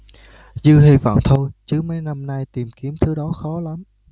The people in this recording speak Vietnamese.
dư hi vọng thôi chứ mấy năm nay tìm kiếm thứ đó khó lắm